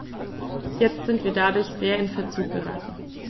Jetzt sind wir dadurch sehr in Verzug geraten.